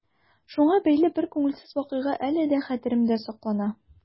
Шуңа бәйле бер күңелсез вакыйга әле дә хәтеремдә саклана.